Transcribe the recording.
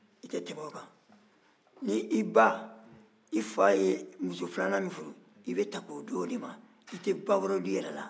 n'i ba i fa ye muso filanan min furu i bɛ ta k'i d'o de ma i tɛ ba wɛrɛ dɔn i yɛrɛ la fɔ o